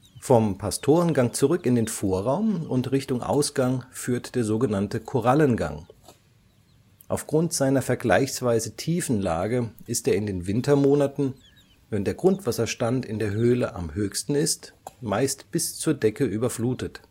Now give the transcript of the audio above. Vom Pastorengang zurück in den Vorraum und Richtung Ausgang führt der sogenannte Korallengang. Aufgrund seiner vergleichsweise tiefen Lage ist er in den Wintermonaten, wenn der Grundwasserstand in der Höhle am höchsten ist, meist bis zur Decke überflutet